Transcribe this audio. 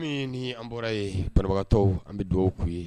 No ye ni ye. Nan bɔra ye banabagatɔw an bɛ dugawu ku ye.